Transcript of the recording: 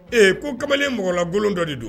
Ee ko kamalenlen mɔgɔlabolo dɔ de don